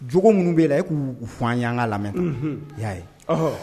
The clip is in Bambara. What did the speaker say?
J minnu b' la e k'u f' yanga lamɛn i y'a ye